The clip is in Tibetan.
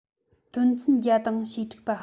དོན ཚན བརྒྱ དང ཞེ དྲུག པ